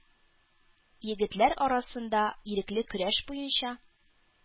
Егетләр арасында ирекле көрәш буенча